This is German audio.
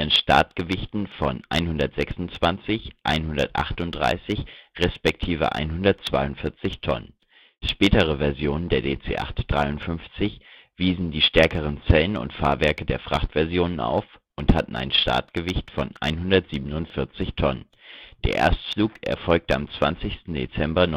Startgewichten von 126, 138 respektive 142 Tonnen. Späte Versionen der DC-8-53 wiesen die stärkeren Zellen und Fahrwerke der Frachtversionen auf und hatten ein Startgewicht von 147 Tonnen. Der Erstflug erfolgte am 20. Dezember